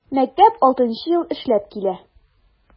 Мәктәп 6 нчы ел эшләп килә.